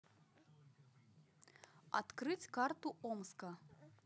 открыть карту омска